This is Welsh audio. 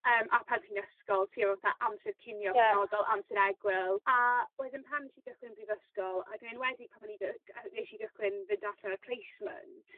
Yym a pan ti 'n ysgol ti efo fatha amser cinio penodol amser egwyl a wedyn pan nesh i gychwyn yn prifysgol ac yn enwedig pan o'n i gy- a nesh i gychwyn fynd at ar y placement